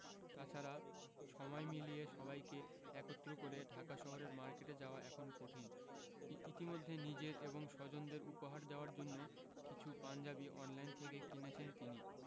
তা ছাড়া সময় মিলিয়ে সবাইকে একত্র করে ঢাকা শহরের মার্কেটে যাওয়া এখন কঠিন ইতিমধ্যে নিজের এবং স্বজনদের উপহার দেওয়ার জন্য কিছু পাঞ্জাবি অনলাইন থেকে কিনেছেন তিনি